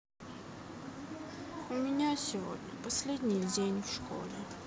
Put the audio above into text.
у меня сегодня последний день в школе